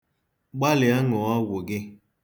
Gbalịa ṅụọ ọgwụ gị.